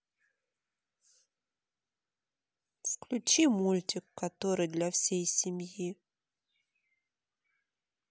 включи мультик который для всей семьи